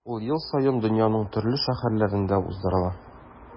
Ул ел саен дөньяның төрле шәһәрләрендә уздырыла.